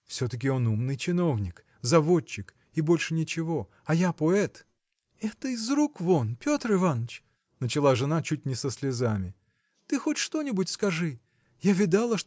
Все-таки он умный чиновник, заводчик – и больше ничего, а я поэт. – Это из рук вон, Петр Иваныч! – начала жена чуть не со слезами. – Ты хоть что-нибудь скажи. Я видала